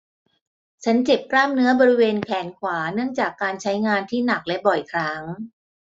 ฉันเจ็บกล้ามเนื้อบริเวณแขนขวาเนื่องจากการใช้งานที่หนักและบ่อยครั้ง